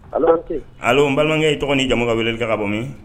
N balimakɛ tɔgɔ ni jamu ka wele ka ka bɔmi